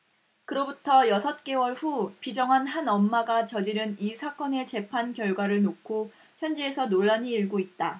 그로부터 여섯 개월 후 비정한 한 엄마가 저지른 이 사건의 재판 결과를 놓고 현지에서 논란이 일고있다